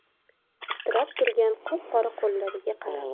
titrab turgan qop qora qo'llariga qarab